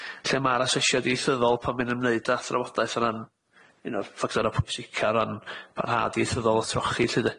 lle ma'r asesiad ieithyddol, pan ma' 'i'n ymwneud â thrafodaeth o ran un o'r ffactora' pwysica o ran parhad ieithyddol y trochi lly 'de.